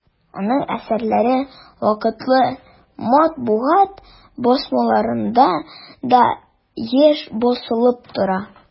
Аның әсәрләре вакытлы матбугат басмаларында да еш басылып тора.